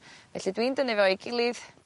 Felly dwi'n dynnu fo i gilydd